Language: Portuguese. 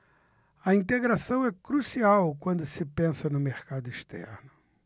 a integração é crucial quando se pensa no mercado externo